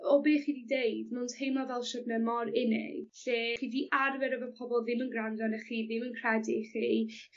o be' chi 'di deud mae'n teimlo fel siwrne mor unig lle chi 'di arfer efo pobol ddim yn grando arnoch chi ddim yn credu chi